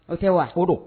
O tɛ wa ko don